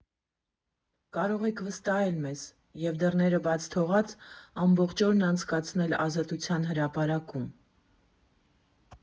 Կարող եք վստահել մեզ, և դռները բաց թողած՝ ամբողջ օրն անցկացնել Ազատության հրապարակում։